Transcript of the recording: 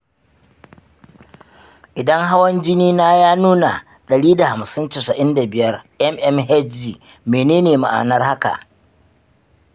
idan hawan jini na ya nuna 150/95 mmhg menene ma'anar haka?